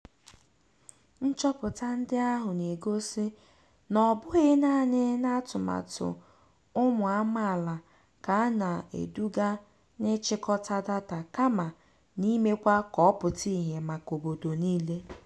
Nchọpụta ndị ahụ na-egosị na ọ bụghị naanị n'atụmatụ ụmụ amaala ka a na-eduga n'ịchịkọta data kama n'imekwa ka ọ pụta ìhè maka obodo niile.